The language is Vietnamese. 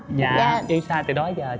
dạ yêu xa từ đó giờ